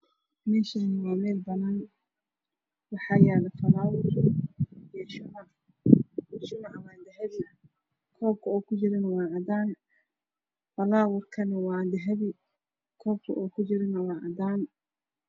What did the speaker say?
Meeshan waa meel banaan ah waxaa yaslo fallower iyo shumac shumaca waa dahabi koobka uukujirana waa cadaan falowerkna waa dahabi koobka uu kujirana waa cadaan